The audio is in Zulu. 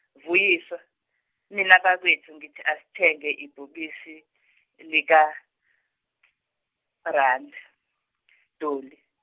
Vuyiswa, mina bakwethu ngithi asithenge ibhokisi lika randi Dolly.